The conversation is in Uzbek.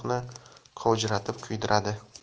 hammayoqni qovjiratib kuydiradi